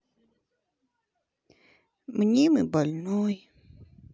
мнимый больной